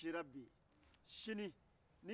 ni u ma furu sɔrɔjona